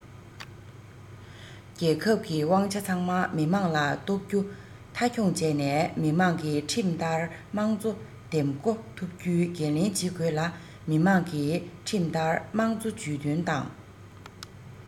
རྒྱལ ཁབ ཀྱི དབང ཆ ཚང མ མི དམངས ལ གཏོགས རྒྱུ མཐའ འཁྱོངས བྱས ནས མི དམངས ཀྱིས ཁྲིམས ལྟར དམངས གཙོ འདེམས བསྐོ ཐུབ རྒྱུའི འགན ལེན བྱེད དགོས ལ མི དམངས ཀྱིས ཁྲིམས ལྟར དམངས གཙོ ཇུས འདོན དང